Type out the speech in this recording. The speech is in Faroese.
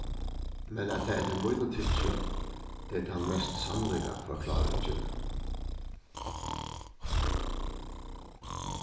men at tað eftir mínum tykki er tann mest sannlíka forkláringin